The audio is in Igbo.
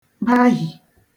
bahì